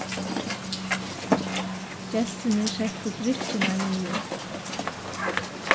gestirnir settu drykkirnar niður